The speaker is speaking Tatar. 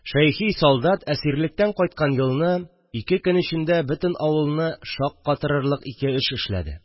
Шәйхи солдат әсирлектән кайткан елны ике көн эчендә бөтен авылны шаккатырырлык ике эш эшләде